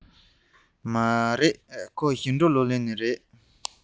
མ རེད ཁོང ཞིང འབྲོག སློབ གླིང ནས རེད